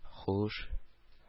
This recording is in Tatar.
Һуш